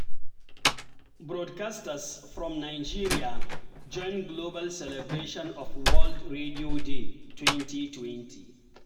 Broadcasters from Nigeria join global celebration of World Radio Day 2020